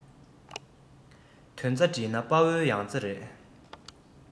དོན རྩ བསྒྲིལ ན དཔལ བོའི ཡང རྩེ རེད